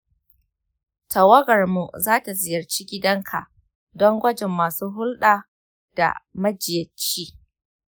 tawagarmu za ta ziyarci gidanka don gwajin masu hulɗa da majiyyaci.